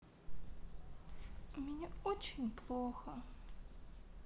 у меня очень плохо